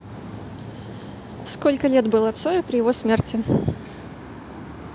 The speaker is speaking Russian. сколько было лет цоя при его смерти